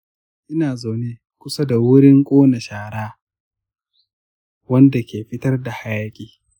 ina zaune kusa da wurin ƙona shara wanda ke fitar da hayaƙi.